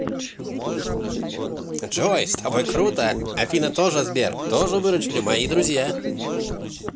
джой с тобой круто афина тоже сбер тоже выручили мои друзья